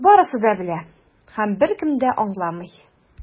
Барысы да белә - һәм беркем дә аңламый.